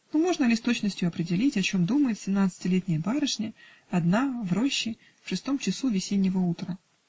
но можно ли с точностию определить, о чем думает семнадцатилетняя барышня, одна, в роще, в шестом часу весеннего утра?